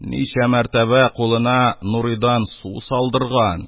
Ничә мәртәбә кулына Нурыйдан су салдырган.